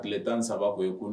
A tile tan saba koyi ye